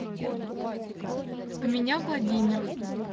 а меня владимир